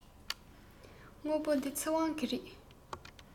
སྔོན པོ འདི ཚེ དབང གི རེད